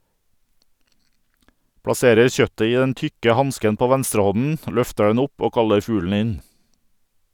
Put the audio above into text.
Plasserer kjøttet i den tykke hansken på venstrehånden, løfter den opp og kaller fuglen inn.